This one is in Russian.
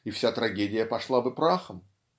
и вся трагедия пошла бы прахом?